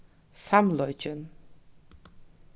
samleikin